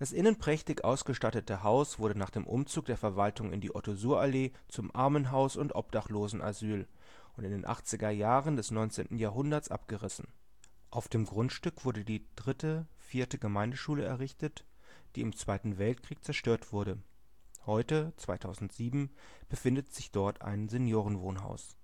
innen prächtig ausgestattete Haus wurde nach dem Umzug der Verwaltung in die Otto-Suhr-Allee zum Armenhaus und Obdachlosenasyl und in den 80er Jahren des 19. Jahrhunderts abgerissen. Auf dem Grundstück wurde die 3. / 4. Gemeindeschule errichtet, die im Zweiten Weltkrieg zerstört wurde. Heute (2007) befindet sich dort ein Seniorenwohnhaus